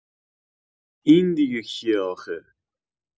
این دیگه کیه آخه؟